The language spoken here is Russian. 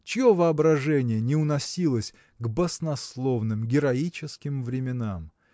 Чье воображение не уносилось к баснословным, героическим временам?